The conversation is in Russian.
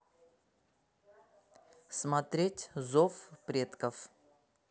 смотреть зов предков